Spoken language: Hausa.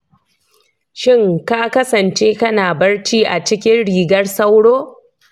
shin ka kasance kana barci a cikin rigar sauro?